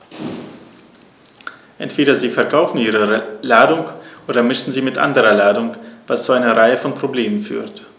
Entweder sie verkaufen ihre Ladung oder mischen sie mit anderer Ladung, was zu einer Reihe von Problemen führt.